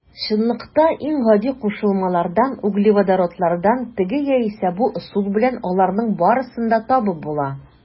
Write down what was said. Чынлыкта иң гади кушылмалардан - углеводородлардан теге яисә бу ысул белән аларның барысын да табып була.